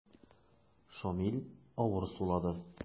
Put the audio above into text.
Шамил авыр сулады.